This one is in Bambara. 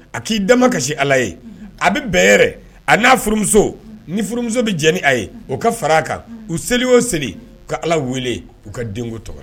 A k'i dama ma kasi ala ye a bɛ bɛɛ yɛrɛ a n'a furumuso ni furumuso bɛ jeni a ye o ka fara a kan u seli y oo seli ka ala wele u ka denko tɔgɔ